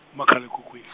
kumakhal' ekhikhwini.